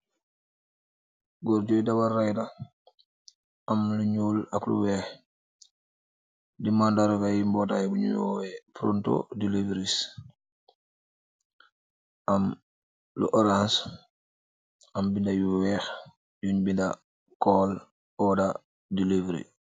Goor juy dawar rydar am lunuul ak lu weex dimandarugayi mbootaay bunu woowe pronto du liveris am lu orange am bindayu weex yun binda call oudar du livery.